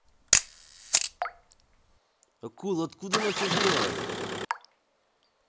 akula откуда она все знает